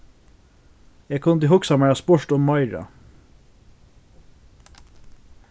eg kundi hugsað mær at spurt um meira